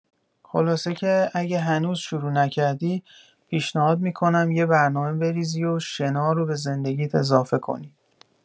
خلاصه که اگه هنوز شروع نکردی، پیشنهاد می‌کنم یه برنامه بریزی و شنا رو به زندگیت اضافه کنی.